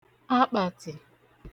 akpàtị̀